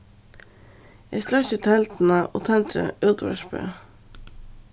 eg sløkki telduna og tendri útvarpið